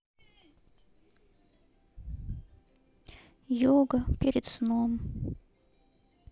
йога перед сном